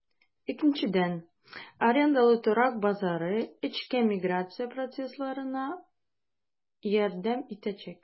Икенчедән, арендалы торак базары эчке миграция процессларына ярдәм итәчәк.